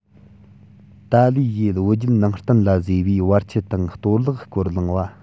ཏཱ ལའི ཡིས བོད བརྒྱུད ནང བསྟན ལ བཟོས པའི བར ཆད དང གཏོར བརླག སྐོར གླེང བ